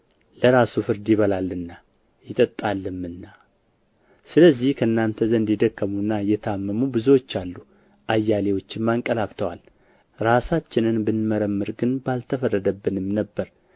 ለራሱ ፍርድ ይበላልና ይጠጣልምና ስለዚህ በእናንተ ዘንድ የደከሙና የታመሙ ብዙዎች አሉ አያሌዎችም አንቀላፍተዋል ራሳችንን ብንመረምር ግን ባልተፈረደብንም ነበር